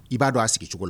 I b'a dɔn a sigi cogo la.